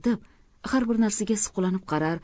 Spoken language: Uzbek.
har bir narsaga suqlanib qarar